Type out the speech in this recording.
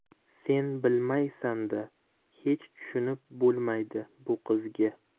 sen bilmaysanda hech tushunib bo'lmaydi bu qizga